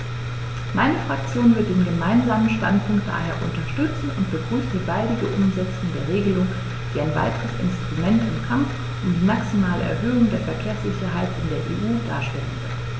Meine Fraktion wird den Gemeinsamen Standpunkt daher unterstützen und begrüßt die baldige Umsetzung der Regelung, die ein weiteres Instrument im Kampf um die maximale Erhöhung der Verkehrssicherheit in der EU darstellen wird.